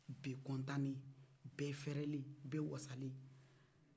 bɛɛ kɔntannen bɛɛ fɛrɛlen bɛɛ wasalen